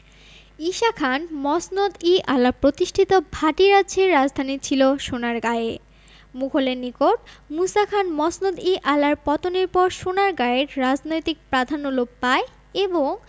ঈসা খান মসনদ ই আলা প্রতিষ্ঠিত ভাটি রাজ্যের রাজধানী ছিল সোনারগাঁয়ে মুগলের নিকট মুসা খান মসনদ ই আলার পতনের পর সোনারগাঁয়ের রাজনৈতিক প্রাধান্য লোপ পায় এবং